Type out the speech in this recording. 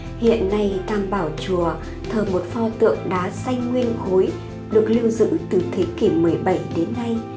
hiện nay tam bảo chùa thờ một pho tượng đá xanh nguyên khối được lưu giữ từ thế kỷ xvii đến nay